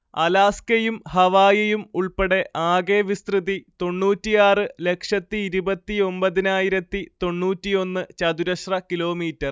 അലാസ്കയും ഹവായിയും ഉൾപ്പെടേ ആകെ വിസ്തൃതി തൊണ്ണൂറ്റിയാറ് ലക്ഷത്തിയിരുപത്തിയൊമ്പതിനായിരത്തി തൊണ്ണൂറ്റിയൊന്ന്ചതുരശ്ര കിലോമീറ്റർ